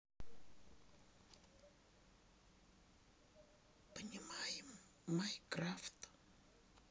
понимаем майнкрафт